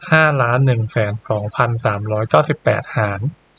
ห้าล้านหนึ่งหมื่นสองพันสามร้อยเก้าสิบแปดหาร